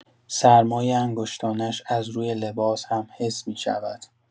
سرمای انگشتانش از روی لباس هم حس می‌شود.